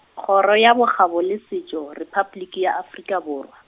Kgoro ya Bokgabo le Setšo, Repabliki ya Afrika Borwa.